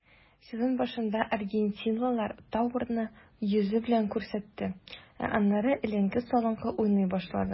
Сезон башында аргентинлылар тауарны йөзе белән күрсәтте, ә аннары эленке-салынкы уйный башлады.